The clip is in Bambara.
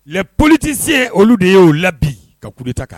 Poliliti tɛ se olu de y'o labi ka ku deta kan